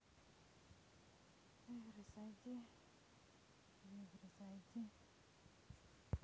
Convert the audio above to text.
в игры зайди в игры зайди